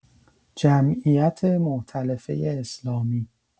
جمعیت مؤتلفه اسلامی